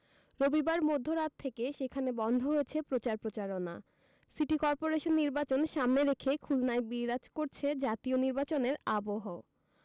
রবিবার মধ্যরাত থেকে সেখানে বন্ধ হয়েছে প্রচার প্রচারণা সিটি করপোরেশন নির্বাচন সামনে রেখে খুলনায় বিরাজ করছে জাতীয় নির্বাচনের আবহ